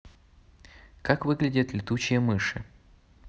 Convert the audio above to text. как выглядят летучие мыши